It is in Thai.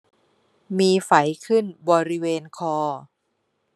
มีไฝขึ้นบริเวณคอ